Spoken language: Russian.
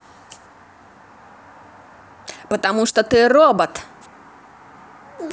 потому что ты робот